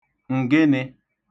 gụnụ̄